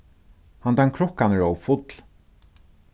handan krukkan er ov full